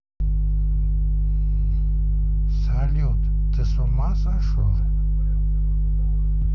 салют ты с ума сошел